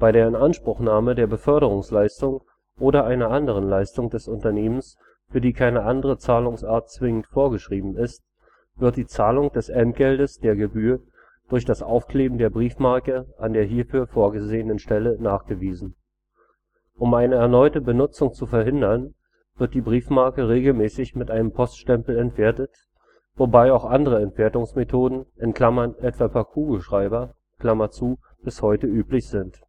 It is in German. der Inanspruchnahme der Beförderungsleistung oder einer anderen Leistung des Unternehmens, für die keine andere Zahlungsart zwingend vorgeschrieben ist, wird die Zahlung des Entgeltes/der Gebühr durch das Aufkleben der Briefmarke an der hierfür vorgesehenen Stelle nachgewiesen. Um eine erneute Benutzung zu verhindern, wird die Briefmarke regelmäßig mit einem Poststempel entwertet, wobei auch andere Entwertungsmethoden (etwa per Kugelschreiber) bis heute üblich sind